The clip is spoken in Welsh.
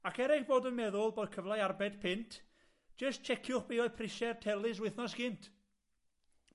Ac er eich bod yn meddwl bod cyfle i arbed punt jyst tsieciwch be oedd prisie'r teles wythnos gynt.